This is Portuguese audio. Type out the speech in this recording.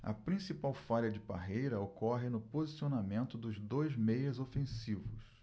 a principal falha de parreira ocorre no posicionamento dos dois meias ofensivos